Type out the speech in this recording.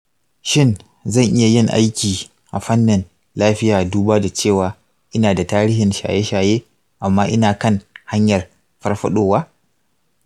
shin zan iya yin aiki a fannin lafiya duba da cewa ina da tarihin shaye-shaye amma ina kan hanyar farfadowa?